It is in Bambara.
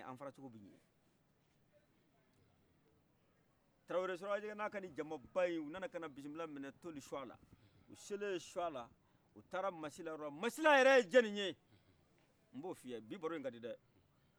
tarawore surakajɛkɛn'aka ni jaman bayi u nana kana bisimila minɛ toli suala u sele suala u taara masila yɔrɔla masila yɛrɛ ye jɔnni ye nb'o fiye bi baro kadi dɛ